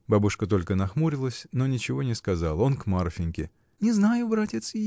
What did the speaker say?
Бабушка только нахмурилась, но ничего не сказала. Он к Марфиньке. — Не знаю, братец.